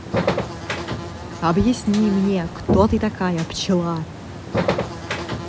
объясни мне кто ты такая пчела